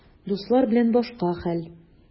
Дуслар белән башка хәл.